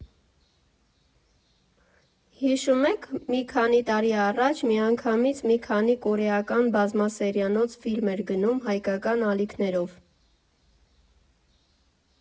Հիշու՞մ եք, մի քանի տարի առաջ միանգամից մի քանի կորեական բազմասերիանոց ֆիլմ էր գնում հայկական ալիքներով։